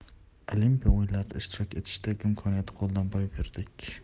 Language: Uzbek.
olimpiya o'yinlarida ishtirok etishdek imkoniyatni qo'ldan boy berdik